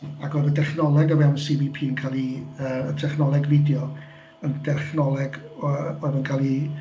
Ac oedd y dechnoleg o fewn CVP yn cael ei yy y dechnoleg fideo yn dechnoleg o- oedd yn cael ei...